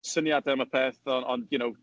Syniadau am y peth, o- ond you know...